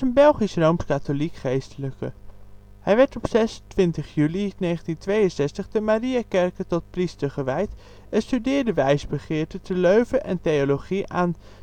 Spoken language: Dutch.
Belgische rooms-katholiek geestelijke. Hij werd op 26 juli 1962 te Mariakerke tot priester gewijd en studeerde wijsbegeerte te Leuven en theologie aan